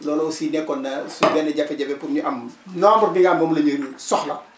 loolu aussi nekkoon na suñu benn jafe-jafe pour ñu am nombre bi nga xam ne moom la ñuy soxla